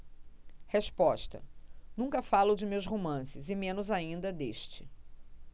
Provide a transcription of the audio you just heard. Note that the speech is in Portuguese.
resposta nunca falo de meus romances e menos ainda deste